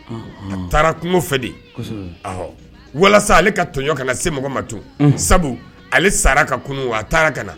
A taara kungo fɛ deɔ walasa ale ka tɔɲɔɔn ka na se mɔgɔ ma tun sabu ale sara ka kun a taara ka na